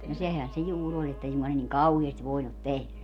no sehän se juuri oli että ei suinkaan ne niin kauheasti voinut tehdä